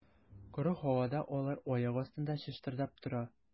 Коры һавада алар аяк астында чыштырдап тора.